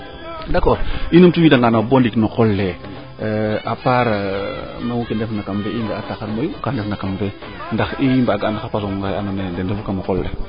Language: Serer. d' accord i numtu wiida nga no qol le a part nu ndef na kam fe nu nga'a taxar mayu kaa ndef na kam fee ndax i mbaago an xa pasonga xe ando naye den ndefu kam xa qol le